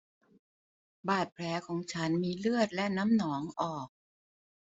บาดแผลของฉันมีเลือดและน้ำหนองออก